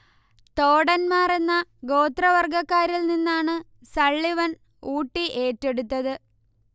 തോടൻമാർ എന്ന ഗോത്രവർഗക്കാരിൽ നിന്നാണ് സള്ളിവൻ ഊട്ടി ഏറ്റെടുത്തത്